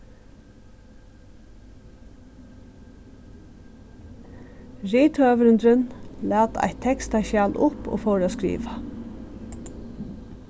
rithøvundurin læt eitt tekstaskjal upp og fór at skriva